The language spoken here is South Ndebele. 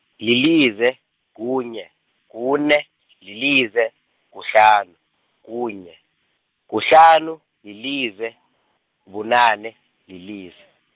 lilize, kunye, kune, lilize, kuhlanu, kunye, kuhlanu, lilize, bunane, lilize.